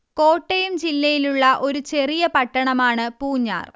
കോട്ടയം ജില്ലയിലുള്ള ഒരു ചെറിയ പട്ടണമാണ് പൂഞ്ഞാർ